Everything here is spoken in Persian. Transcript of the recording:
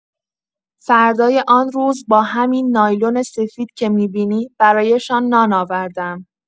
فردای آن روز با همین نایلون سفید که می‌بینی، برایشان نان آوردم.